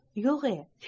yo'g' e